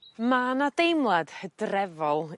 Ma' 'na deimlad Hydrefol